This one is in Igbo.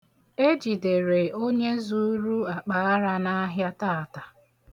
Ejidere onye zuuru akpaara n'ahịa taata.